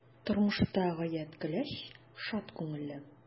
Тормышта гаять көләч, шат күңелле.